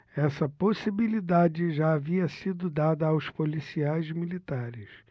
essa possibilidade já havia sido dada aos policiais militares